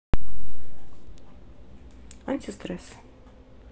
антистресс